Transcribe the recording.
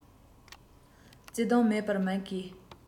བརྩེ དུང མེད པར མིག གིས